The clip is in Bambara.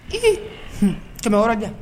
Ee kɛmɛ yɔrɔ diya